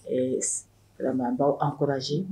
Ɛɛ silamɛ baw an kɔrɔji